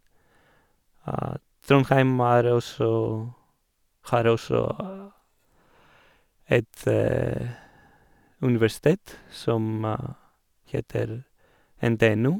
Trondheim er også har også et universitet som heter NTNU.